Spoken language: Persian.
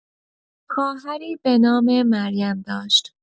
خواهری به نام مریم داشت.